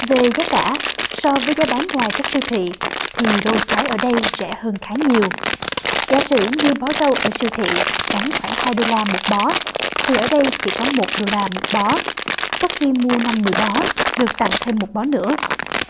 về giá cả so với giá bán ngoài các siêu thị thì dâu trái ở đây rẻ hơn khá nhiều giả sử như bó rau ở siêu thị bán khoảng hai đô la một bó thì ở đây chỉ có một đô la một bó có khi mua năm mươi bó được tặng thêm một bó nữa